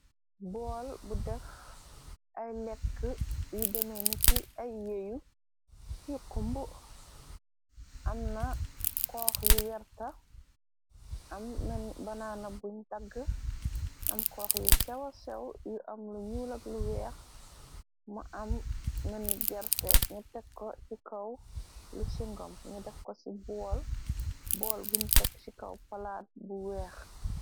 Bool bu def ay lekk yi demeni ki ay yeeyu yuqumb am na koox yu werta am banana buñ tàgg am koox yu sewa sew yu am lu ñulag lu weex ma am mën gerte ñu tekko ci kaw lu singom ni def ko ci bool bool buñ tekg ci kaw palaad bu weex.